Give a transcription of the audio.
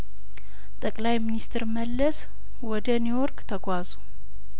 ጠቅላይሚንስትር መለስ ወደ ኒውዮርክ ተጓዙ